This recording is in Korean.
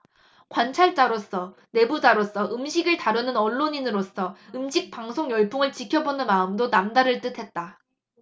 관찰자로서 내부자로서 음식을 다루는 언론인으로서 음식 방송 열풍을 지켜보는 마음도 남다를 듯했다